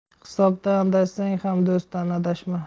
hisobdan adashsang ham do'stdan adashma